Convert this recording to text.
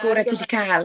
Gorau ti gallu cael.